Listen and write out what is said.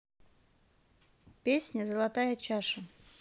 песня золотая чаша